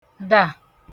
dà